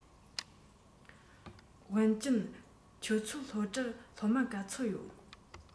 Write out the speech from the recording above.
ཝུན ཅུན ཁྱོད ཚོའི སློབ གྲྭར སློབ མ ག ཚོད ཡོད